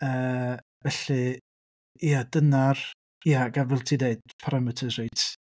Yy felly ie dyna'r... Ie ac a fel ti'n deud parameters reit...